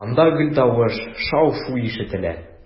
Анда гел тавыш, шау-шу ишетелә.